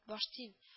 Баштин